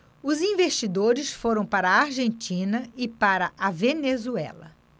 os investidores foram para a argentina e para a venezuela